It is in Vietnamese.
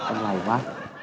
em lầy quá